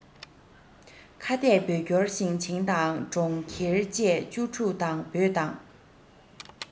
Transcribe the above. ཁ གཏད བོད སྐྱོར ཞིང ཆེན དང གྲོང ཁྱེར བཅས བཅུ དྲུག དང བོད དང